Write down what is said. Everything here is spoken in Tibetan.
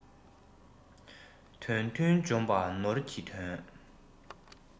དོན མཐུན འཇོམས པ ནོར གྱི དོན